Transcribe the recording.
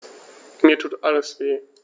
Mir tut alles weh.